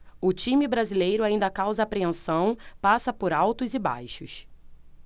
o time brasileiro ainda causa apreensão passa por altos e baixos